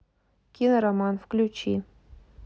кинороман включи